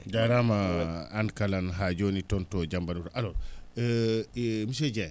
jaaraama aan kalan haa jooni ton to Jammbanuuta alors monsieur Dieng